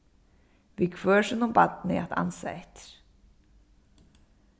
við hvør sínum barni at ansa eftir